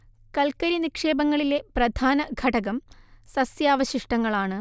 കൽക്കരി നിക്ഷേപങ്ങളിലെ പ്രധാന ഘടകം സസ്യാവശിഷ്ടങ്ങളാണ്